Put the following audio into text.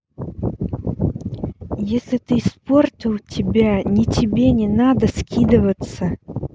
если ты испортил тебя не тебе не надо скидоваться